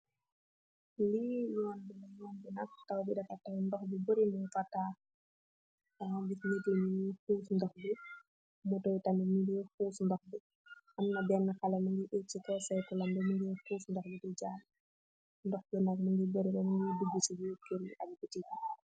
Lee yonn la yonn be nak taaw be dafa taaw noh bu bary mugfa taah yege giss neet yee nuge huss noh be motor ye tamin nuge huss noh be amna bena haleh muge eckeh se kaw cycle lan be muge huss noh be de jalah noh be muge bary bamuge doga se birr kerr yee ak batik yee.